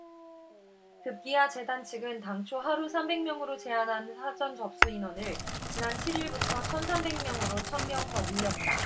급기야 재단 측은 당초 하루 삼백 명으로 제한한 사전 접수 인원을 지난 칠 일부터 천 삼백 명으로 천 명 더 늘렸다